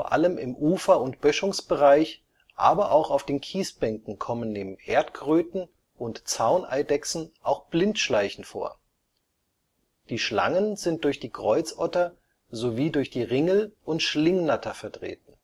allem im Ufer - und Böschungsbereich, aber auch auf den Kiesbänken kommen neben Erdkröten und Zauneidechsen auch Blindschleichen vor. Die Schlangen sind durch die Kreuzotter sowie durch die Ringel - und die Schlingnatter vertreten